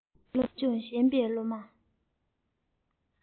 སློབ སྦྱོང ཞན པའི སློབ མ